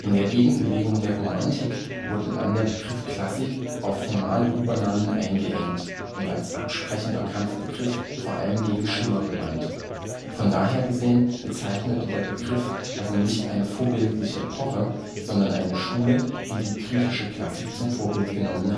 der Gegenbewegung der Romantik wurde dann der Begriff " Klassik " auf formale Übernahmen eingeengt und als absprechender Kampfbegriff vor allem gegen Schiller gewandt. Von daher gesehen, bezeichnete der Begriff also nicht eine vorbildliche Epoche, sondern eine Schule, die die griechische Klassik zum Vorbild genommen